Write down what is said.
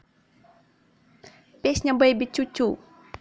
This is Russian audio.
песня бейби тю тю